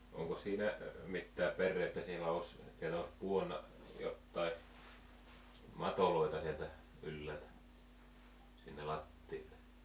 onko siinä mitään perää että siellä olisi sieltä olisi pudonnut jotakin matoja sieltä ylhäältä sinne lattialle